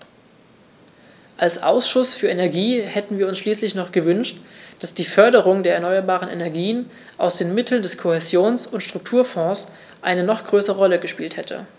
Als Ausschuss für Energie hätten wir uns schließlich noch gewünscht, dass die Förderung der erneuerbaren Energien aus den Mitteln des Kohäsions- und Strukturfonds eine noch größere Rolle gespielt hätte.